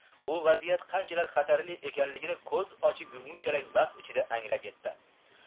u vaziyat qanchalar xatarli ekanligini ko'z ochib yumgunchalik vaqt ichida anglab yetdi